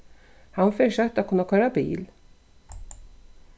hann fer skjótt at kunna koyra bil